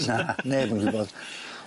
Na neb yn gwybod.